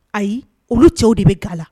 Ayi olu cɛw de bɛ ga la